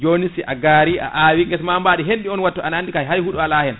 joni si a gaari a awi guessama mba ne hen on wattu ana andi kay huuɗo ala hen